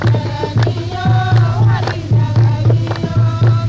sanunɛgɛnin yo warinɛgɛnin yo